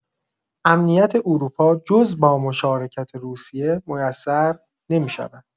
امنیت اروپا جز با مشارکت روسیه میسر نمی‌شود.